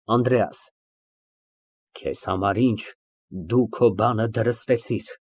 ԱՆԴՐԵԱՍ ֊ Քեզ համար ինչ, դու քո բանը դրստեցիր։